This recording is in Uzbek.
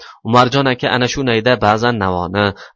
umarjon aka shu nayda ba'zan navoni